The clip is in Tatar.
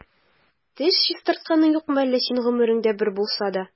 Теш чистартканың юкмы әллә синең гомереңдә бер булса да?